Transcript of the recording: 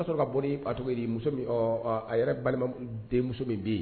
A'a sɔrɔ bɔ pato muso a yɛrɛ balimaden muso min bɛ yen